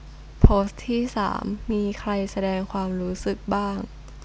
โพสต์ที่สามมีใครแสดงความรู้สึกบ้าง